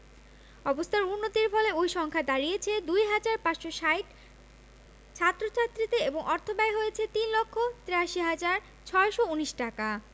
অবস্থার উন্নতির ফলে ওই সংখ্যা দাঁড়িয়েছে ২ হাজার ৫৬০ ছাত্রছাত্রীতে এবং অর্থব্যয় হয়েছে ৩ লক্ষ ৮৩ হাজার ৬১৯ টাকা